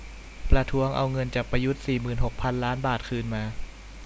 ประท้วงเอาเงินจากประยุทธ์สี่หมื่นหกพันล้านบาทคืนมา